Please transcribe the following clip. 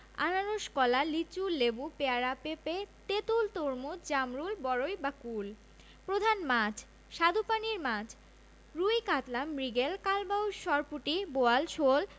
আনারস কলা লিচু লেবু পেয়ারা পেঁপে তেঁতুল তরমুজ জামরুল বরই বা কুল প্রধান মাছঃ স্বাদুপানির মাছ রুই কাতল মৃগেল কালবাউস সরপুঁটি বোয়াল শোল